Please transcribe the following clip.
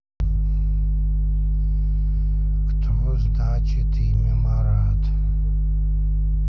кто значит имя марат